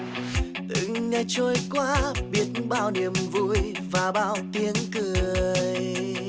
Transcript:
từng ngày trôi qua biết bao niềm vui và bao tiếng cười